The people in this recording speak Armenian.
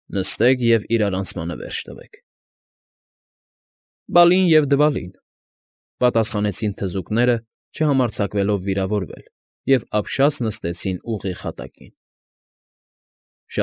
Նստեք և իրարանցմանը վերջ տվեք։ ֊ Բալին ու Դվալին,֊ պատասխանեցին թզուկները, չհամարձակվելով վիրավորվել, և ապշած նստեցին ուղիղ հատակին։ ֊